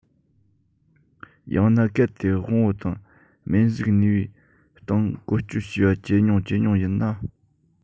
ཡང ན གལ ཏེ དབང པོ དང རྨེན གཟུགས ནུས པའི སྟེང བཀོལ སྤྱོད བྱས པ ཇེ ཉུང ཇེ ཉུང ཡིན ན